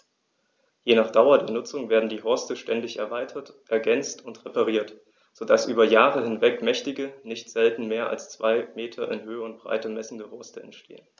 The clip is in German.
Je nach Dauer der Nutzung werden die Horste ständig erweitert, ergänzt und repariert, so dass über Jahre hinweg mächtige, nicht selten mehr als zwei Meter in Höhe und Breite messende Horste entstehen.